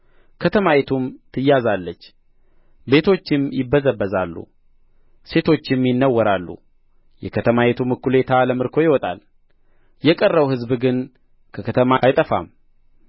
ከተማይቱም ትያዛለች ቤቶችም ይበዘበዛሉ ሴቶችም ይነወራሉ የከተማይቱም እኵሌታ ለምርኮ ይወጣል የቀረው ሕዝብ ግን ከከተማ አይጠፋም